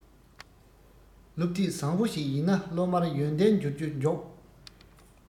སློབ དེབ བཟང བོ ཞིག ཡིན ན སློབ མར ཡོན ཏན འབྱོར རྒྱུ མགྱོགས